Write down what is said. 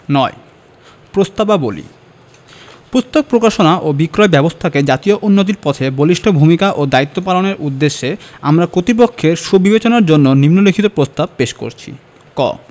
০৯ প্রস্তাবাবলী পুস্তক প্রকাশনা ও বিক্রয় ব্যাবস্থাকে জাতীয় উন্নতির পথে বলিষ্ঠ ভূমিকা ও দায়িত্ব পালনের উদ্দেশ্যে আমরা কর্তৃপক্ষের সুবিবেচনার জন্য নিন্ম লিখিত প্রস্তাব পেশ করছি ক